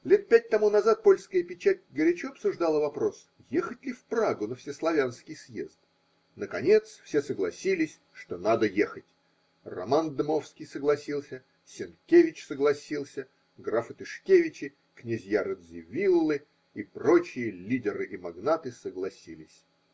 Лет пять тому назад польская печать горячо обсуждала вопрос, ехать ли в Прагу на всеславянский съезд: наконец все согласились, что надо ехать – Роман Дмовский согласился, Сенкевич согласился, графы Тышкевичи, князья Радзивиллы и прочие лидеры и магнаты согласились.